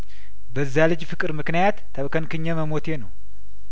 በዛ ልጅ ፍቅር ምክንያት ተብከንክኜ መሞቴ ነው